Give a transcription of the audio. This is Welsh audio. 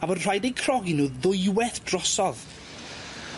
A bod rhaid eu crogi nw ddwyweth drosodd.